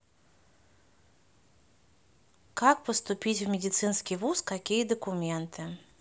как поступить в медицинский вуз какие документы